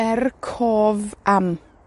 er cof am.